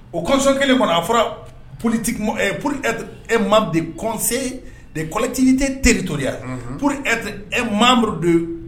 O kɔsɔn kelen kɔnɔ a fɔra politi p e ma de kɔnse de kɔlɛti tɛ teriri toya p ɛ mamudu de